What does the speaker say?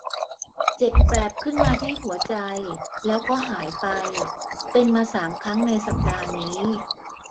เจ็บแปลบขึ้นมาที่หัวใจแล้วก็หายไปเป็นมาสามครั้งในสัปดาห์นี้